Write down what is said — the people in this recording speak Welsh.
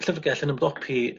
llyfrgell yn ymdopi